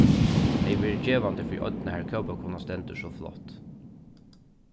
tað hevði verið gevandi fyri oynna har kópakonan stendur so flott